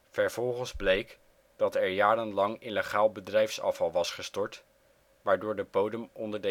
Vervolgens bleek dat er jarenlang illegaal bedrijfsafval was gestort, waardoor de bodem onder